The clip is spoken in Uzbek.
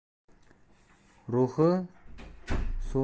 ruhi so'lg'inning ishi so'lg'in